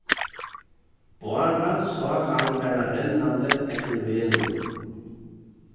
bára sá hann fara rennandi eftir vegnum